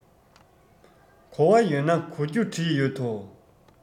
གོ བ ཡོད ན གོ རྒྱུ བྲིས ཡོད དོ